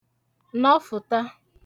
nọfụ̀ta